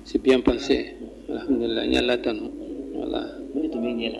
C'est bien passé Alhamdulilayi n bɛ Ala tanu voilà